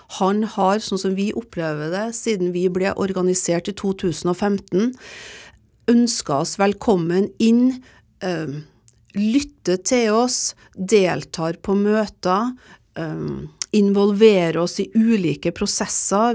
han har sånn som vi opplever det siden vi ble organisert i 2015 ønska oss velkommen inn, lytter til oss, deltar på møter, involverer oss i ulike prosesser.